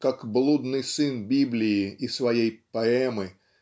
как блудный сын Библии и своей поэмы